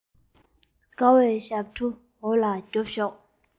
དགའ བའི ཞབས བྲོ འོ ལ རྒྱོབས ཤོག